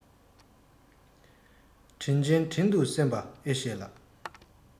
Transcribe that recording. དྲིན ཅན དྲིན དུ བསམས པ ཨེ ཝེས ལགས